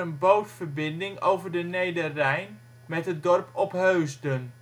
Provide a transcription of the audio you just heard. bootverbinding over de Nederrijn met het dorp Opheusden